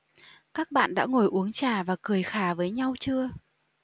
các bạn đã ngồi uống trà và cười khà với nhau chưa